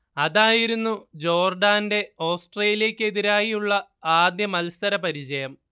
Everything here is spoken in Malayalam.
അതായിരുന്നു ജോർഡാന്റെ ഓസ്ട്രേലിയക്കെതിരായി ഉള്ള ആദ്യ മത്സരപരിചയം